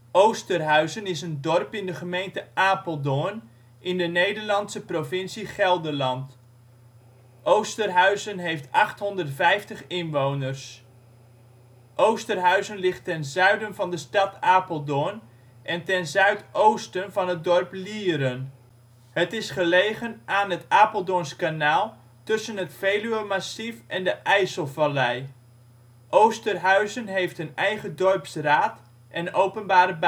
Oosterhuizen is een dorp in de gemeente Apeldoorn, in de Nederlandse provincie Gelderland. Oosterhuizen heeft 850 inwoners. Oosterhuizen ligt ten zuiden van de stad Apeldoorn en ten zuidoosten van het dorp Lieren. Het is gelegen aan het het Apeldoorns Kanaal, tussen het Veluwemassief en de IJsselvallei. Oosterhuizen heeft een eigen dorpsraad en openbare